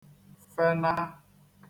fenā